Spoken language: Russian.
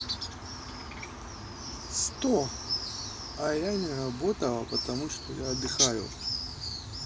сто а я не работала потому что я отдыхаю